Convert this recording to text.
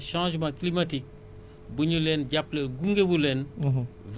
ñoom amuñu si pexe ci biir pexe yooyu